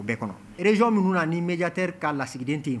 Bɛɛ kɔnɔrezyo minnuejatere ka lasigiden tɛ